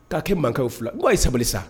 K'a kɛ mankankɛw fila k'o ye sabali sa